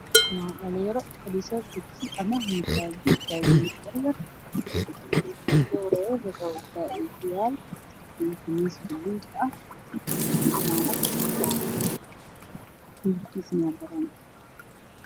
Waa dhalinyaro fadhiso dugsi ama masaajid dhalinyarada midka ugu soo horeeyo wuxuu wataa ookiyaalo io qamiis baluug ah io camaamad cadaan ah midabkiisu waa baroon